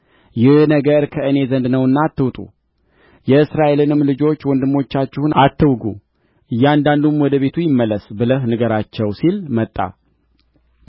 ይህ ነገር ከእኔ ዘንድ ነውና አትውጡ የእስራኤልንም ልጆች ወንድሞቻችሁን አትውጉ እያንዳንዱም ወደ ቤቱ ይመለስ ብለህ ንገራቸው ሲል መጣ